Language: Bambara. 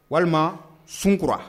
Walima sunkura